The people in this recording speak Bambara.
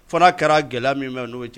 Fana kɛra gɛlɛya min bɛ n'o ye cɛ